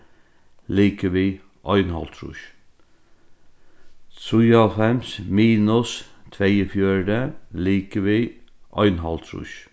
ligvið einoghálvtrýss trýoghálvfems minus tveyogfjøruti ligvið einoghálvtrýss